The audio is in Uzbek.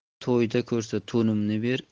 to'yda ko'rsa to'nimni ber